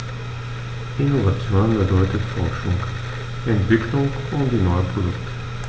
Innovation bedeutet Forschung, Entwicklung und neue Produkte.